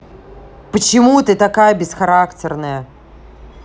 почему ты такая бесхарактерная